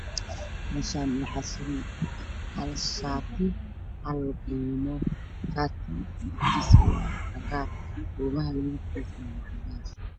Meshan waxa suran shati io bumo shatiga midabkis waa cadan bumahan waa cadan